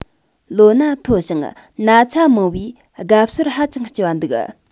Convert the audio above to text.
ལོ ན མཐོ ཞིང ན ཚ མང བས སྒབ ཟོར ཧ ཅང ལྕི བ འདུག